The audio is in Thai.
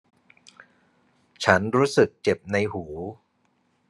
ฉันรู้สึกเจ็บในหู